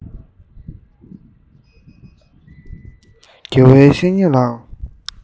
དགེ བའི བཤེས གཉེན ལགས